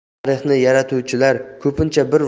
tarixni yaratuvchilar ko'pincha bir